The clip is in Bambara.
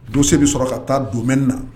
Donso bɛ sɔrɔ ka taa don na